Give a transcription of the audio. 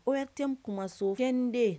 O ye tɛ kumaso kɛ nin de